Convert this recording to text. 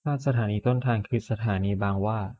ถ้าสถานีต้นทางคือสถานีบางหว้า